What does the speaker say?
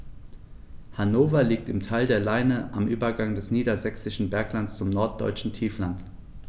Hannover liegt im Tal der Leine am Übergang des Niedersächsischen Berglands zum Norddeutschen Tiefland.